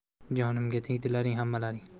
jonimga tegdilaring hammalaring